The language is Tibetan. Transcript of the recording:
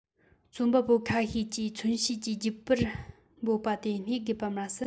རྩོམ པ པོ ཁ ཤས ཀྱིས མཚོན བྱེད ཀྱི རྒྱུད པར འབོད པ དེ རྙེད དགོས པ མ ཟད